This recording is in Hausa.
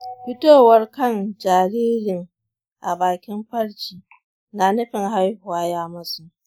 fitowar kan jaririn a bakin farji na nufin haihuwa ya matso